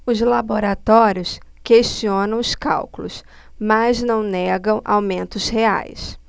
os laboratórios questionam os cálculos mas não negam aumentos reais